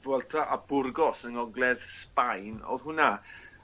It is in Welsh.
Vuelta a Burgos yng ngogledd Sbaen odd hwnna.